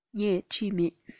ངས བྲིས མེད